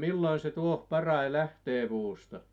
milloin se tuohi parhaiten lähtee puusta